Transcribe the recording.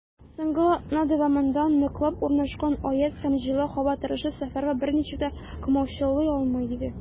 Соңгы атна дәвамында ныклап урнашкан аяз һәм җылы һава торышы сәфәргә берничек тә комачаулый алмый иде.